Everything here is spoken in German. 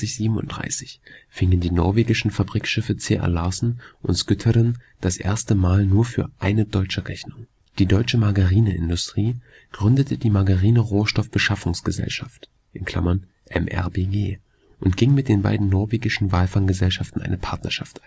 37 fingen die norwegischen Fabrikschiffe C.A. Larsen und Skytteren das erste Mal nur für eine deutsche Rechnung. Die deutsche Margarineindustrie gründete die „ Margarine Rohstoff Beschaffungsgesellschaft “(MRBG) und ging mit den beiden norwegischen Walfanggesellschaften eine Partnerschaft